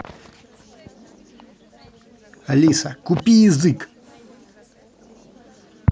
алиса купи язык